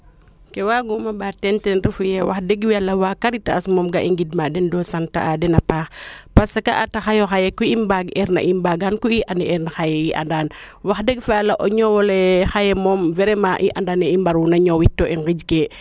kee waaguma mbaat teen ten refuye wax deg waa Karitas moom ga'i ngida ma den to sant a den a paax parce que a taxayo xaye ku i mbaag eerna i mbaagaan ku i an eer na xaye i andaan wax deg fa yala o ñoowole xaye moom vraiment i anda ne i mbariit na ñoowit to i ngonj kee